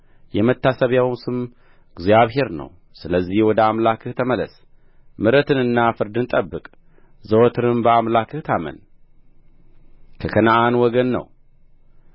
የመታሰቢያው ስም እግዚአብሔር ነው ስለዚህ ወደ አምላክህ ተመለስ ምሕረትንና ፍርድን ጠብቅ ዘወትርም በአምላክህ ታመን ከከነዓን ወገን ነው